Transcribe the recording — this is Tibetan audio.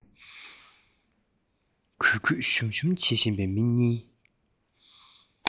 གུས གུས ཞུམ ཞུམ བྱེད བཞིན པའི མི གཉིས